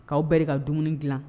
K'aw bɛ ka dumuni dilan